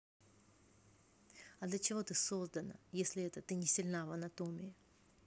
а для чего ты создана если это ты не сильна в анатомии